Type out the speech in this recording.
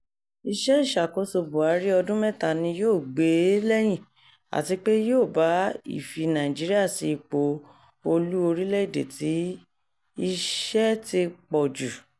Iṣẹ́ ìṣàkóso Buhari ọdún mẹ́ta ni yóò gbè é lẹ́yìn àti pé yóò bá ìfi Nàìjíríà sí ipò olú orílẹ̀-èdè tí ìṣẹ́ ti pọ̀ jù.